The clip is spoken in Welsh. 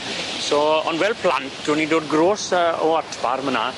So on' fel plant o'n i'n dod grôs yy o Atbar myna.